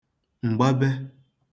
m̀gbabe